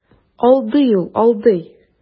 Алдый ул, алдый.